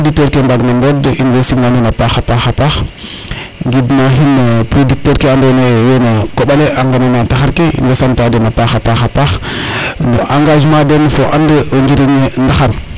mu auditeur ke mbaag na ɓod in way simna nuun a paxa paxa paax ngidma xin producteur kene ando naye oway na koɓale a ngenana taxar ke in way sant a den a paxa paax no engagement ma den fo o an o njiriñ ndaxar